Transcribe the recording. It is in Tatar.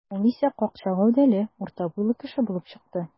Ул исә какча гәүдәле, урта буйлы кеше булып чыкты.